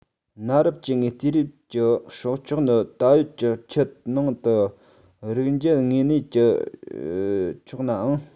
གནའ རབས སྐྱེ དངོས དུས རབས ཀྱི སྲོག ཆགས ནི ད ཡོད ཀྱི ཁྱུ ནང དུ རིགས འབྱེད དངོས གནས བགྱི ཆོག ནའང